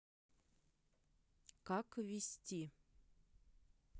как ввести